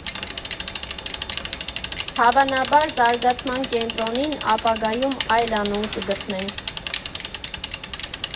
Հավանաբար զարգացման կենտրոնին ապագայում այլ անուն կգտնենք։